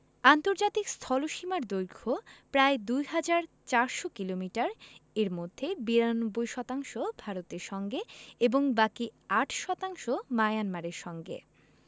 আন্তর্জাতিক স্থলসীমার দৈর্ঘ্য প্রায় ২হাজার ৪০০ কিলোমিটার এর মধ্যে ৯২ শতাংশ ভারতের সঙ্গে এবং বাকি ৮ শতাংশ মায়ানমারের সঙ্গে